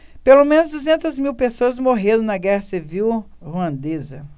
pelo menos duzentas mil pessoas morreram na guerra civil ruandesa